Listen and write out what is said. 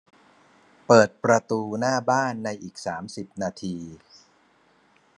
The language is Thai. เปิดประตูหน้าบ้านในอีกสามสิบนาที